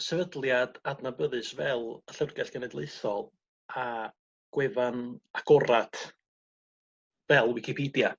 sefydliad adnabyddus fel y llyfrgell genedlaethol a gwefan agorad fel wicipedia?